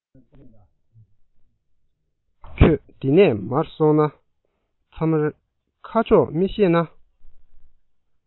ཁྱོད འདི ནས མར སོང ན མཚམས རེར ཁ ཕྱོགས མི ཤེས ན